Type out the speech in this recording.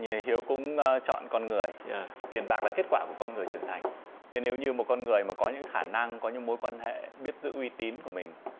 hiếu cũng chọn con người tiền bạc là kết quả của con người trưởng thành thế nếu như một con người mà có những khả năng có những mối quan hệ biết giữ uy tín của mình